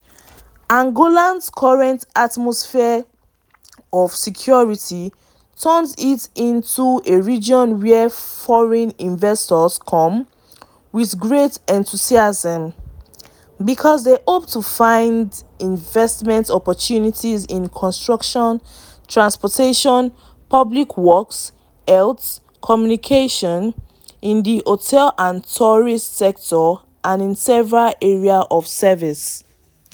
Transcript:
Angolan's current atmosphere of security turns it into a region where foreign investors come with great enthusiasm, because they hope to find investment opportunities in construction, transport, public works, health, communication, in the hotel and tourist sectors and in several areas of service.”